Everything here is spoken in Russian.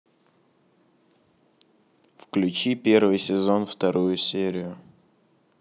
включи первый сезон вторую серию